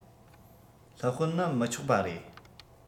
སློབ དཔོན ནི མི ཆོག པ རེད